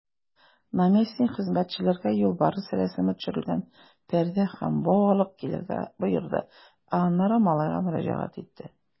Наместник хезмәтчеләргә юлбарыс рәсеме төшерелгән пәрдә һәм бау алып килергә боерды, ә аннары малайга мөрәҗәгать итте.